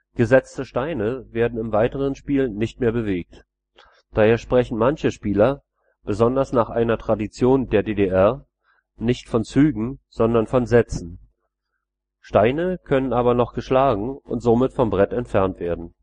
Gesetzte Steine werden im weiteren Spiel nicht mehr bewegt. Daher sprechen manche Spieler, besonders nach einer Tradition der DDR, nicht von „ Zügen “, sondern von „ Sätzen “. Steine können aber noch geschlagen und somit vom Brett entfernt werden